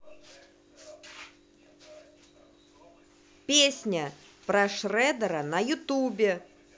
песня про шредера на ютубе